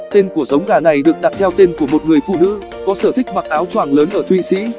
tên của giống gà này được đặt theo tên của một người phụ nữ có sở thích mặc áo choàng lớn ở thụy sĩ